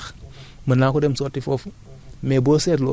par exemple tay jii bu ma amoon sama xetax wala sama getax